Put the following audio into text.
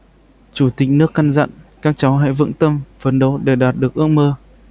chủ tịch nước căn dặn các cháu hãy vững tâm phấn đấu để đạt được ước mơ